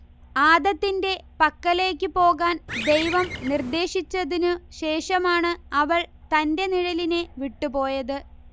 ആദത്തിന്റെ പക്കലേയ്ക്കു പോകാൻ ദൈവം നിർദ്ദേശിച്ചതിനു ശേഷമാണ് അവൾ തന്റെ നിഴലിനെ വിട്ടുപോയത്